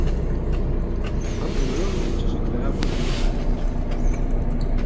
hann er møguliga ikki so glaður sum hann sær út